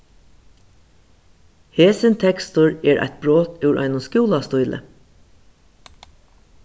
hesin tekstur er eitt brot úr einum skúlastíli